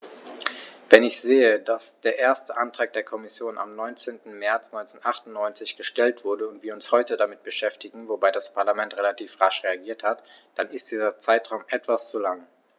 Wenn ich sehe, dass der erste Antrag der Kommission am 19. März 1998 gestellt wurde und wir uns heute damit beschäftigen - wobei das Parlament relativ rasch reagiert hat -, dann ist dieser Zeitraum etwas zu lang.